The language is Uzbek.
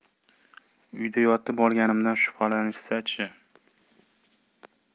uyda yotib olganimdan shubhalanishsa chi